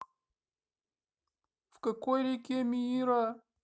в какой реке мира